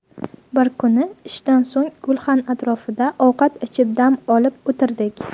bir kun ishdan so'ng gulxan atrofida ovqat ichib dam olib o'tirdik